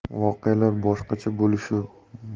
voqealar boshqacha bo'lishi